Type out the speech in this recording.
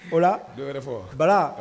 O ola fɔ bala